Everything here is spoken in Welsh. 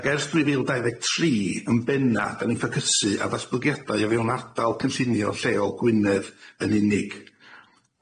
Ag ers dwy fil dau ddeg tri yn benna 'da ni'n ffocysu ar ddatblygiadau o fewn ardal cynllunio lleol Gwynedd yn unig.